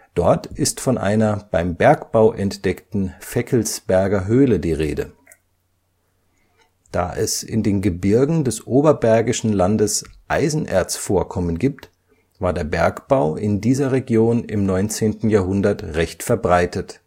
Dort ist von einer beim Bergbau entdeckten Feckelsberger Höhle die Rede. Da es in den Gebirgen des Oberbergischen Landes Eisenerzvorkommen gibt, war der Bergbau in dieser Region im 19. Jahrhundert recht verbreitet